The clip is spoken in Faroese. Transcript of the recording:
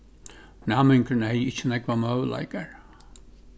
næmingurin hevði ikki nógvar møguleikar